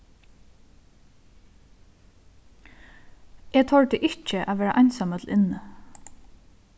eg tordi ikki at vera einsamøll inni